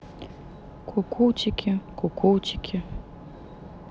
кукутики кукутики